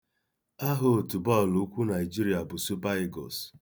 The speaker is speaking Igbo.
Aha otu bọọlụ ụkwụ Naịjirịa bụ Super Eagles.